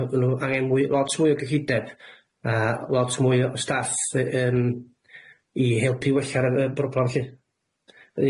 yy n'w angen mwy lot mwy o gyllideb a lot mwy o staff yy yym i helpu wella'r yy y broblam 'lly.